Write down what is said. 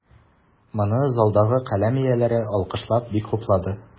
Моны залдагы каләм ияләре, алкышлап, бик хуплады.